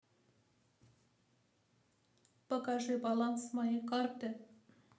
покажи баланс моей карты